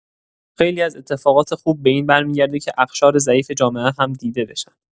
خیلی از اتفاقات خوب به این برمی‌گرده که اقشار ضعیف جامعه هم دیده بشن.